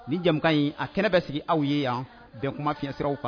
Ni jamukan in , a kɛnɛ bɛ sigi aw ye yan, bɛn kuma fiɲɛsiraw kan